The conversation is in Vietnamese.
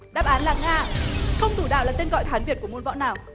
đáp án là nga không thủ đạo là tên gọi hán việt của môn võ nào